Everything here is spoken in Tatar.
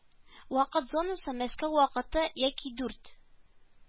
Вакыт зонасы Мәскәү вакыты яки дүрт